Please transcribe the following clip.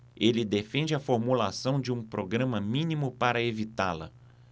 ele defende a formulação de um programa mínimo para evitá-la